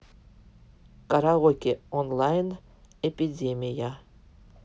караоке онлайн эпидемия